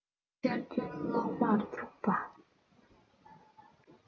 ཆར རྒྱུན གློག དམར འཁྱུག པ